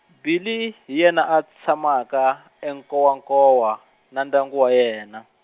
Billy, hi yena a tshamaka, eNkowankowa, na ndyangu wa yena.